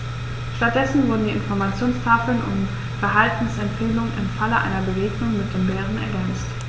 Stattdessen wurden die Informationstafeln um Verhaltensempfehlungen im Falle einer Begegnung mit dem Bären ergänzt.